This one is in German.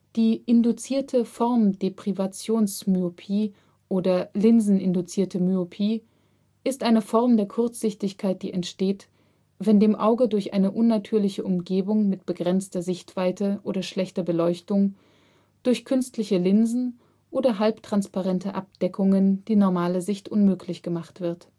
Die Induzierte Formdeprivationsmyopie oder Linsen-induzierte Myopie ist eine Form der Kurzsichtigkeit, die entsteht, wenn dem Auge durch eine unnatürliche Umgebung mit begrenzter Sichtweite oder schlechter Beleuchtung, durch künstliche Linsen oder halbtransparente Abdeckungen die normale Sicht unmöglich gemacht wird